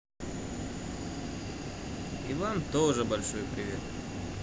и вам тоже большой привет